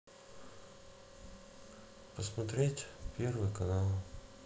посмотреть первый канал